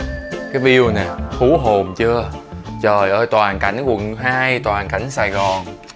cái biu này nè hú hồn chưa trời ơi toàn cảnh quận hai toàn cảnh sài gòn